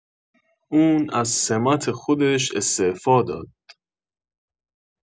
اون از سمت خودش استعفا داد